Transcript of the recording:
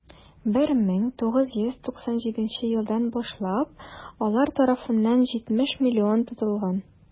1997 елдан башлап алар тарафыннан 70 млн тотылган.